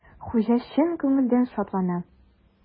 Хуҗа чын күңелдән шатлана.